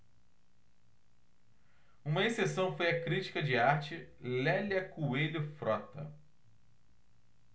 uma exceção foi a crítica de arte lélia coelho frota